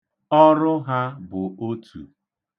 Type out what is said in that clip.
Ọrụ ha bụ otu.